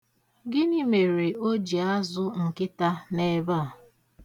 Gịnị mere o ji azụ nkịta n'ebe a?